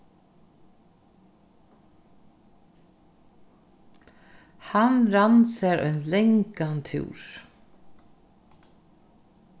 hann rann sær ein langan túr